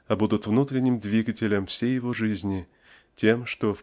а будут внутренним двигателем всей его жизни тем что